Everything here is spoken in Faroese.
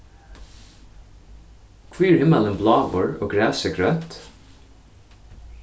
hví er himmalin bláur og grasið grønt